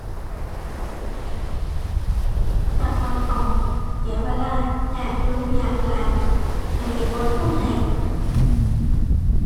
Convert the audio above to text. จั่งบ่ต้องเสียเวลา ยากลูกยากหลานให้ไปกดเงินให้